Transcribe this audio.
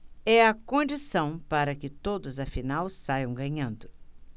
é a condição para que todos afinal saiam ganhando